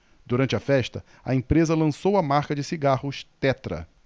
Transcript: durante a festa a empresa lançou a marca de cigarros tetra